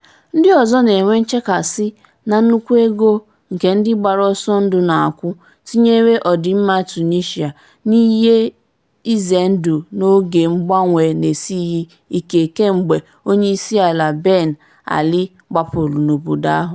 Ndị ọzọ na-enwe nchekasị na nnukwu ego nke ndị gbara ọsọ ndụ na-akwụ tinyere ọdịmma Tunisia n'ihe ize ndụ n'oge mgbanwe n'esighị ike kemgbe Onyeisiala Ben Ali gbapụrụ n'obodo ahụ.